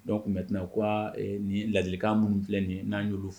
Dɔnku tun bɛ tɛmɛ' nin lalikan minnu filɛ nin n'aan y'olu fo